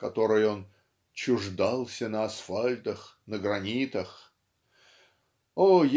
которой он "чуждался на асфальтах на гранитах" о